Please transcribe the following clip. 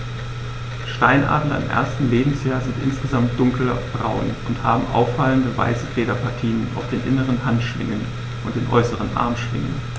Steinadler im ersten Lebensjahr sind insgesamt dunkler braun und haben auffallende, weiße Federpartien auf den inneren Handschwingen und den äußeren Armschwingen.